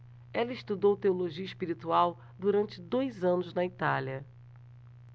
ela estudou teologia espiritual durante dois anos na itália